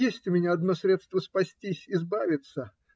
Есть у меня одно средство спастись, избавиться